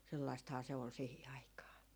sellaistahan se oli siihen aikaan